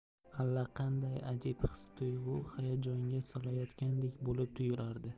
allaqanday ajib his tuyg'u hayajonga solayotgandek bo'lib tuyulardi